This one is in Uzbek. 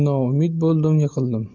noumid bo'ldim yiqildim